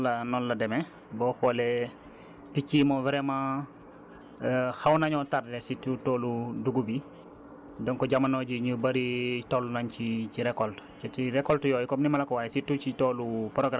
effectivement DG comme ni nga ko waxee ah noonu la noonu la demee boo xoolee picc yi moom vraiment xaw nañoo tarde surtout toolu dugub yi donc jamono bi ñu bëri toll nañ ci ci récolte